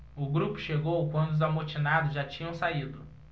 o grupo chegou quando os amotinados já tinham saído